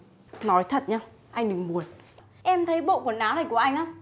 nói thật nhớ anh đừng buồn em thấy bộ quần áo này của anh